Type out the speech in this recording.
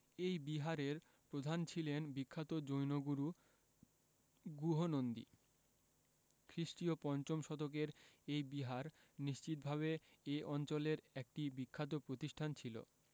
এই বিহারের প্রধান ছিলেন বিখ্যাত জৈন গুরু গুহনন্দী খ্রিস্টীয় ৫ম শতকের এই বিহার নিশ্চিতভাবে এ অঞ্চলের একটি বিখ্যাত প্রতিষ্ঠান ছিল